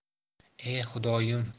e xudoyim